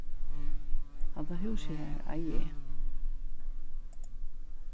hatta húsið har eigi eg